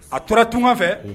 A tora tunga fɛ